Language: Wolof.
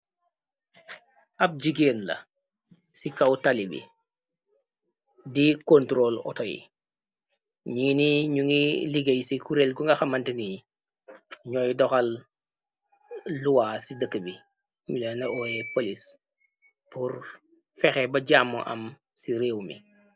Ab jigéen la ci kaw tali bi di kontrol outo yi ñyini ñyu ngi liggéey ci kureel gu nga xamanteni ñooy doxal luwa ci dëkk bi nyung lena polis por fexe ba jàmmo am ci réew mi.